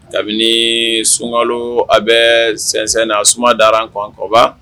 Kabini sunkalo a bɛ sɛnsɛn na, a suma dara kan ka ban